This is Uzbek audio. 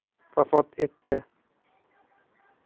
vafot etdi